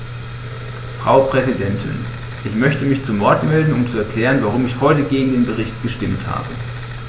Frau Präsidentin, ich möchte mich zu Wort melden, um zu erklären, warum ich heute gegen den Bericht gestimmt habe.